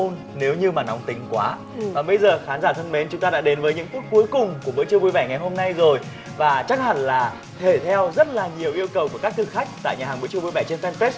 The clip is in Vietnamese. ôi nếu như mà nóng tính quá mà bây giờ khán giả thân mến chúng ta đã đến với những phút cuối cùng của buổi trưa vui vẻ ngày hôm nay rồi và chắc hẳn là thể theo rất là nhiều yêu cầu của các thực khách tại nhà hàng bữa trưa vui vẻ trên phen pết